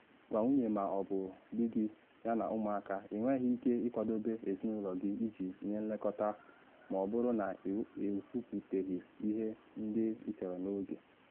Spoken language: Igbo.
Gwa nwunye ma ọ bụ dị gị yana ụmụaka: Ị nweghị ike ịkwadobe ezinụlọ gị iji nye nlekọta ma ọ bụrụ na i kwuputeghi ihe ndị ị chọrọ n’oge.